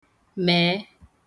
mèe